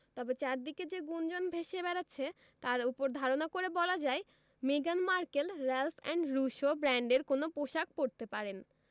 তবে চারদিকে যে গুঞ্জন ভেসে বেড়াচ্ছে তার ওপর ধারণা করে বলা যায় মেগান মার্কেল রেলফ এন্ড রুশো ব্র্যান্ডের কোনো পোশাক পরতে পারেন